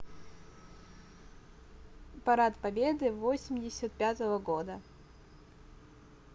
парад победы восемьдесят пятого года